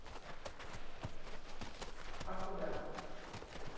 а куда